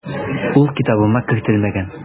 Ул китабыма кертелгән.